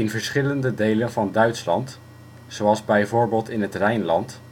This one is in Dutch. verschillende delen van Duitsland, zoals bijvoorbeeld in het Rijnland